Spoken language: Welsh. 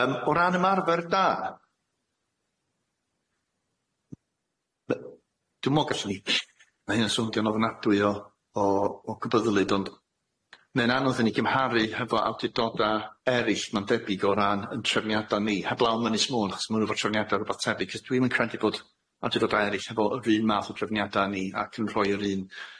Yym o ran ymarfer da, m- dwi'm me'wl gallwn ni ma' hyn yn swnio'n ofnadwy o o o gobyddlid ond ma'n anodd i ni gymharu hefo awdurdoda eryll ma'n debyg o ran ein trefniada ni heblaw am Ynys môn achos ma' nw efo trefniada rwbath tebyg achos dwi'm yn credu bod awdurdoda eryll hefo yr un math o trefniada ni ac yn rhoi yr un